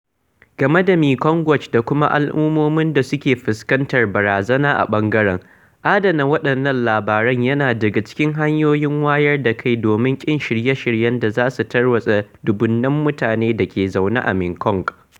Game da Mekong Watch da kuma al'ummomin da suke fuskantar barazana a ɓangaren, adana waɗannan labaran yana daga cikin hanyoyin wayar da kai domin ƙin shirye-shiryen da za su tarwatsa dubunnan mutanen da ke zaune a Mekong: